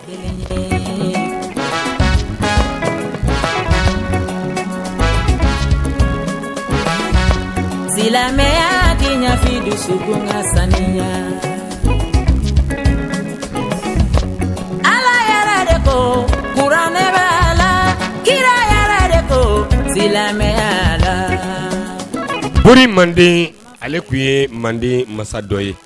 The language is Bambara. silamɛya tɛfisikun ka saniniya ala yɛrɛ de ko kuranɛba la kirayara de ko silamɛya lauru manden ale tun ye manden masatɔ ye